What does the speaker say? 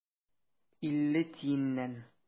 Илле тиеннән.